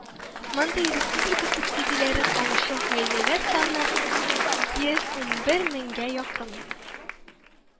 Мондый республика субсидияләрен алучы гаиләләр саны йөз ун бер меңгә якын